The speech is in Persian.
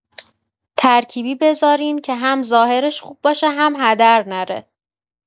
ترکیبی بذارین که هم ظاهرش خوب باشه هم هدر نره.